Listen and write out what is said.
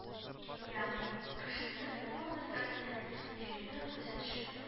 Ягъни, күршесенең мал-мөлкәтенә, җиренә күзе төшә